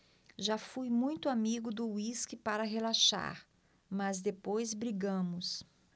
já fui muito amigo do uísque para relaxar mas depois brigamos